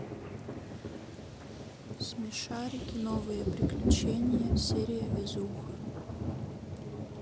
смешарики новые приключения серия везуха